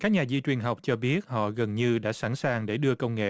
các nhà di truyền học cho biết họ gần như đã sẵn sàng để đưa công nghệ